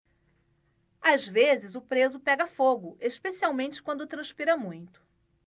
às vezes o preso pega fogo especialmente quando transpira muito